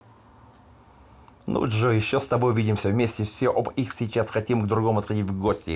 ну джой еще с тобой увидимся вместе все об их сейчас хотим к другому сходить в гости